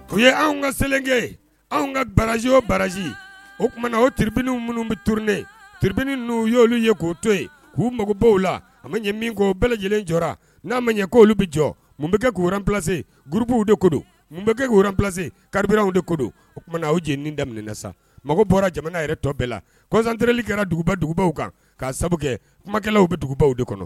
U ye anw ka selen kɛ anw ka baraz oo baraz o tumaumana o tiripini minnu bɛ turnene tiripini n'u y'olu ye k'o toye yen k'u magobaw la a ma ɲɛ min ko bɛɛ lajɛlen jɔ n'a ma ɲɛ k koolu bɛ jɔ mun bɛkɛ k u w lase gurbuw de ko don mun bɛke k' wranlase kariribiinaw de ko don o tumaumana u j daminɛmin sa mago bɔra jamana yɛrɛ tɔ bɛɛ la kɔsantereli kɛra duguba dugubaw kan ka'a sababu kɛ kumakɛlawlaw bɛ dugubaw de kɔnɔ